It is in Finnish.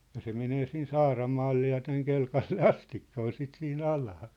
ja se menee siinä Saaramaalle ja tänne Kelkalle asti oli sitä siinä alaa